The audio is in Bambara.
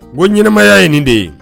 Ko ɲɛnɛmaya ye nin de ye